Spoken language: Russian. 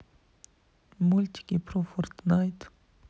мультики про фортнайт